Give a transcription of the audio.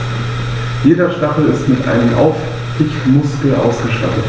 Jeder Stachel ist mit einem Aufrichtemuskel ausgestattet.